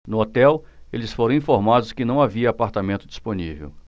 no hotel eles foram informados que não havia apartamento disponível